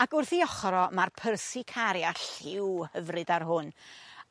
Ac wrth 'i ochor o ma' Persicaria lliw hyfryd ar hwn.